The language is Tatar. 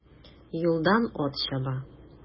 Юлдан ат чаба.